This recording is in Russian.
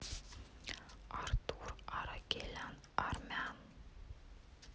артур аракелян армян